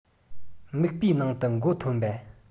སྨུག པའི ནང དུ མགོ འཐོམས པ